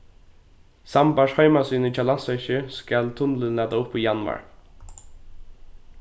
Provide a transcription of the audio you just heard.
sambært heimasíðuni hjá landsverki skal tunnilin lata upp í januar